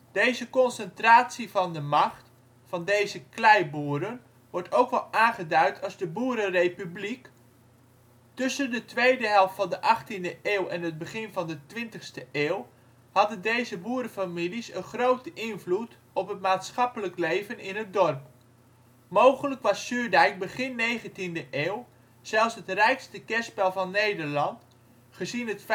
Deze concentratie van de macht van deze kleiboeren wordt ook wel aangeduid als de ' boerenrepubliek '; tussen de tweede helft van de 18e eeuw en het begin van de 20e eeuw hadden deze boerenfamilies een grote invloed op het maatschappelijk leven in het dorp. Mogelijk was Zuurdijk begin 19e eeuw zelfs het rijkste kerspel van Nederland gezien het